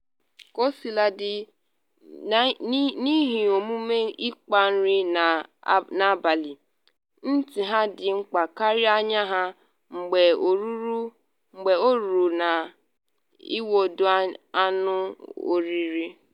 Kosiladị, n’ihi omume ịkpa nri n’abalị, ntị ha dị mkpa karịa anya ha mgbe oruru n’inwude anụ oriri.